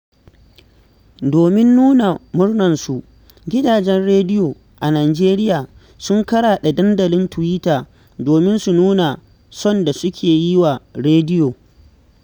Domin nuna murnarsu, gidajen radiyo a Nijeriya sun karaɗe dandalin Tiwita domin su nuna son da suke yi wa rediyo: